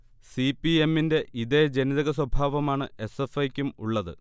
C. P. എമ്മിന്റെ ഇതേ ജനിതക സ്വഭാവമാണ് എസ്. എഫ്. ഐക്കും ഉള്ളത്